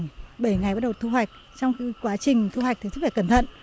bảy ngày bắt đầu thu hoạch trong quá trình thu hoạch thì rất phải cẩn thận